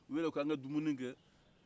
o yɛrɛ ko an ka dumini kɛ